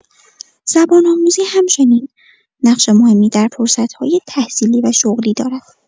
زبان‌آموزی همچنین نقش مهمی در فرصت‌های تحصیلی و شغلی دارد.